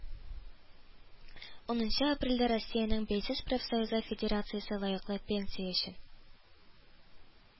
Унынчы апрельдә россиянең бәйсез профсоюзлар федерациясе лаеклы пенсия өчен